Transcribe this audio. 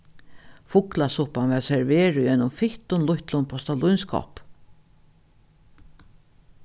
fuglasuppan varð serverað í einum fittum lítlum postalínskoppi